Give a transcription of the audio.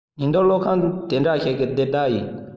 ཉིང རྡུལ གློག ཁང དེ འདྲ ཞིག ནི སྡེ བདག ཡིན